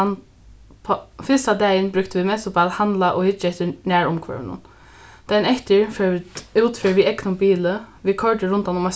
fyrsta dagin brúktu vit mest upp á at handla og hyggja eftir nærumhvørvinum dagin eftir fóru vit útferð við egnum bili vit koyrdu rundan um eitt